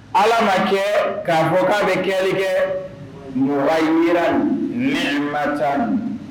Ala ma kɛ ka fɔ k'a bɛ kɛli kɛ mugayiran nihimatan .